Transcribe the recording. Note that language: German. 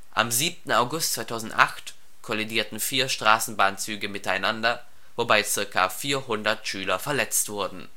Am 7. August 2008 kollidierten vier Straßenbahnzüge miteinander, wobei zirka 400 Schüler verletzt wurden